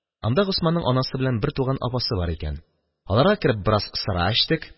Анда Госманның анасы белән бертуган апасы бар икән, аларга кереп, бераз сыра эчтек.